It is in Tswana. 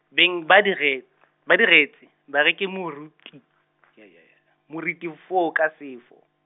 beng ba dire- , ba diretse, bareki moruti , moriti foo ka sefo.